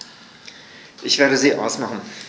Ich werde sie ausmachen.